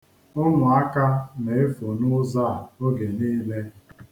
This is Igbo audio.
Ụmụaka na-efu n'ụzọ a oge niile.